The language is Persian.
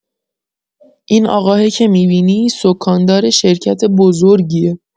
این آقاهه که می‌بینی، سکان‌دار شرکت بزرگیه!